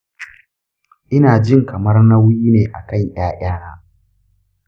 ina jin kamar nauyi ne a kan ’ya’yana.